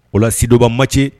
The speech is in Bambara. O la si dɔba maci